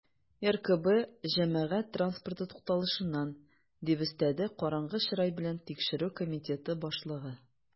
"ркб җәмәгать транспорты тукталышыннан", - дип өстәде караңгы чырай белән тикшерү комитеты башлыгы.